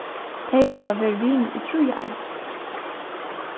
tey hava verið vinir í trý ár